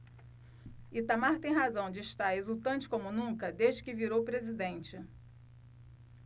itamar tem razão de estar exultante como nunca desde que virou presidente